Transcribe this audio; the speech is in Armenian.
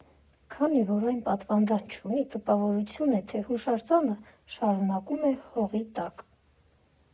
Քանի որ այն պատվանդան չունի, տպավորություն է, թե հուշարձանը շարունակվում է հողի տակ։